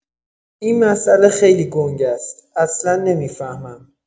این مسئله خیلی گنگ است اصلا نمی‌فهمم